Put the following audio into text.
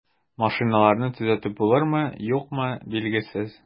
Машиналарны төзәтеп булырмы, юкмы, билгесез.